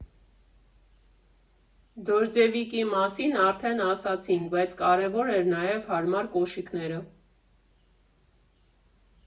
«Դոժձևիկի» մասին արդեն ասացինք, բայց կարևոր են նաև հարմար կոշիկները։